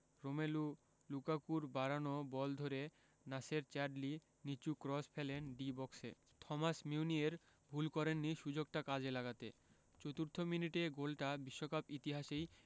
Romelu লুকাকুর বাড়ানো ball ধরে নাসের চ্যাডলি নিচু ক্রস ফেলেন ডি বক্সে থমাস মিউনিয়ের ভুল করেননি সুযোগটা কাজে লাগাতে চতুর্থ মিনিটে গোলটা বিশ্বকাপ ইতিহাসেই